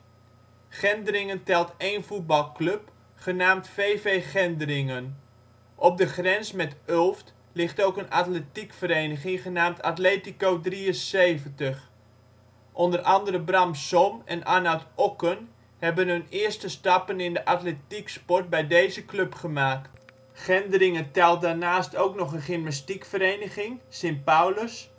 Gendringen telt één voetbalclub, genaamd v.v. Gendringen. Op de grens met Ulft ligt ook een atletiekvereniging genaamd Atletico ' 73. Onder andere Bram Som en Arnoud Okken hebben hun eerste stappen in de atletieksport bij deze club gemaakt. Gendringen telt daarnaast ook nog een gymnastiekvereniging (St.